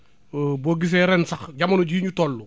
boo gisee ren sax jamono jii ñu toll